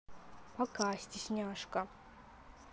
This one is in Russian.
пока стесняшка